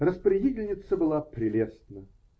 Распорядительница была прелестна.